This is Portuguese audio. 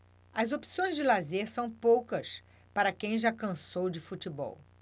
as opções de lazer são poucas para quem já cansou de futebol